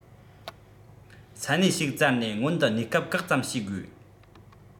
ས གནས ཞིག བཙལ ནས སྔོན དུ གནས སྐབས བཀག ཙམ བྱས དགོས